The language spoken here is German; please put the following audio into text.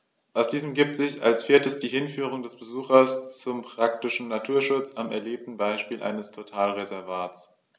Aus diesen ergibt sich als viertes die Hinführung des Besuchers zum praktischen Naturschutz am erlebten Beispiel eines Totalreservats.